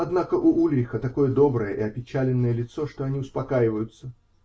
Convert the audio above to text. Однако у Ульриха такое доброе и опечаленное лицо, что они успокаиваются.